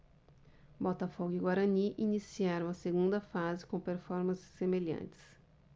botafogo e guarani iniciaram a segunda fase com performances semelhantes